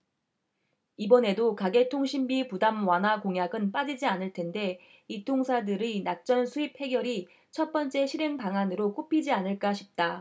이번에도 가계통신비 부담 완화 공약은 빠지지 않을텐데 이통사들의 낙전수입 해결이 첫번째 실행 방안으로 꼽히지 않을까 싶다